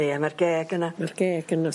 Ia ma'r geg yna. Ma'r geg yna...